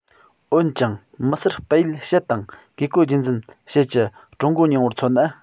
འོན ཀྱང མི སེར སྤེལ ཡུལ ཕྱེད དང བཀས བཀོད རྒྱུད འཛིན ཕྱེད ཀྱི ཀྲུང གོ རྙིང བར མཚོན ན